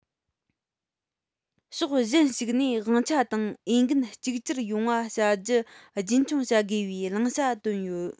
ཕྱོགས གཞན ཞིག ནས དབང ཆ དང འོས འགན གཅིག གྱུར ཡོང བ བྱ རྒྱུ རྒྱུན འཁྱོངས བྱ དགོས པའི བླང བྱ བཏོན ཡོད